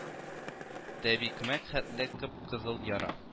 Тәбикмәк хәтле кып-кызыл яра